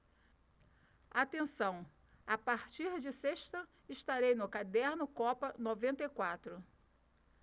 atenção a partir de sexta estarei no caderno copa noventa e quatro